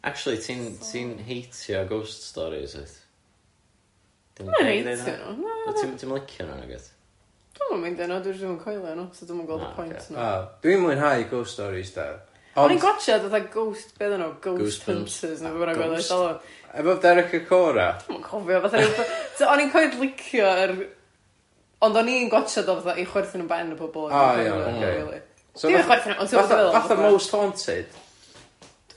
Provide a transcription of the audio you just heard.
Actually ti'n ti'n heitio ghost stories wyt? Dwi'm yn heitio nhw, na. 'Ti'm 'ti'm yn licio nhw nagwyt? Dwi'm yn meindio nhw, dwi jyst 'm'n coelio ynddyn nhw so dwi'm yn gweld y pwynt... O, dwi'n mwynhau ghost stories de, ond... O'n i'n gwatshad fatha ghost be oeddan nhw Ghost Hunters ne' whatever a... Efo Derek Acorah? ...Dwi'm yn cofio fatha ryw- o'n i'n cweit licio yr- ond o'n i'n gwatshad o fatha i chwerthin am ben yr bobl... A ia ocê. So ma' chwerthin am ben... Fatha Most Haunted?